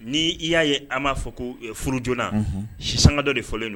Ni i y'a ye an m'a fɔ ko furu joonana si sanga dɔ de fɔlen don